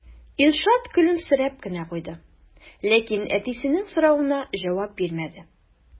Илшат көлемсерәп кенә куйды, ләкин әтисенең соравына җавап бирмәде.